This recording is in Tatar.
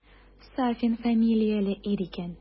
Сафин фамилияле ир икән.